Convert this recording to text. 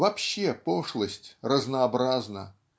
Вообще, пошлость разнообразна.